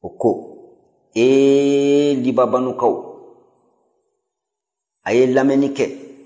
o ko ee libaabanukaw a' ye lamɛnni kɛ